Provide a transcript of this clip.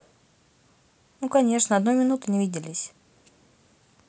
ну конечно одну минуту не виделись